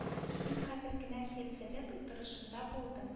Мин хәзер генә сельсовет утырышында булдым